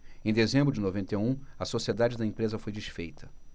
em dezembro de noventa e um a sociedade da empresa foi desfeita